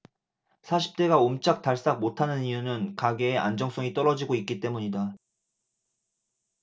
사십 대가 옴짝달싹 못하는 이유는 가계의 안정성이 떨어지고 있기 때문이다